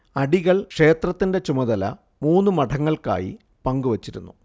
അടികൾ ക്ഷേത്രത്തിൻറെ ചുമതല മൂന്ന് മഠങ്ങൾക്കായി പങ്കുവച്ചിരുന്നു